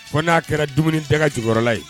Ko n'a kɛra dumuni daga jukɔrɔ la ye.